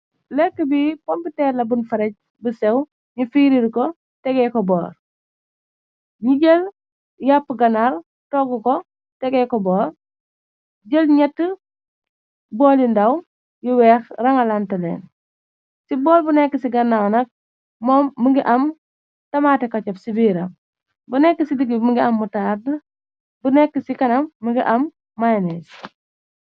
Lekk bi pompiteer la bun farej bu séw ñi fiirir ko tege ko boor. Nyu jël yàpp gannaar togg ko tege ko boor. Jël gñett booli ndaw yu weex rangalanta leen ci boor bu nekk ci gannaw nak moom mëngi am tamaté koccab ci biira bu nekk ci digg mëngi am mu taard bu nekk ci kanam mëngi am minées.